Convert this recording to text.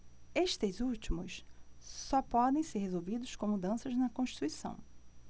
estes últimos só podem ser resolvidos com mudanças na constituição